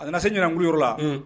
A nana se ɲinkun yɔrɔ la